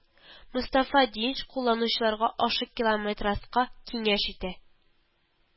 Мостафа Динч кулланучыларга ашыкилометраска киңәш итә